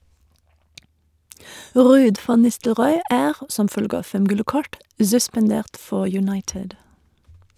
Ruud van Nistelrooy er, som følge av fem gule kort, suspendert for United.